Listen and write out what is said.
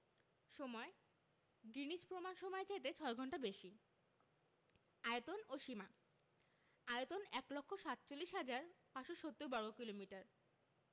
সময়ঃ গ্রীনিচ প্রমাণ সমইয়ের চাইতে ৬ ঘন্টা বেশি আয়তন ও সীমাঃ আয়তন ১লক্ষ ৪৭হাজার ৫৭০বর্গকিলোমিটার